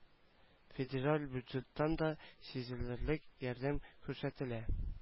Федераль бюджеттан да сизелерлек ярдәм күрсәтелә